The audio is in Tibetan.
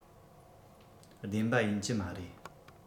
བདེན པ ཡིན གྱི མ རེད